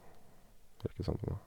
Det virker sånn på meg.